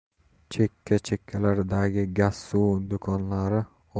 chekka chekkalardagi gazsuv do'konlari